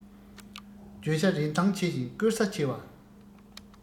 བརྗོད བྱ རིན ཐང ཆེ ཞིང བཀོལ ས ཆེ བ